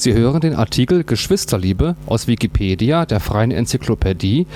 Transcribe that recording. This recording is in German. hören den Artikel Geschwisterliebe (Lied), aus Wikipedia, der freien Enzyklopädie